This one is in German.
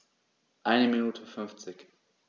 Eine Minute 50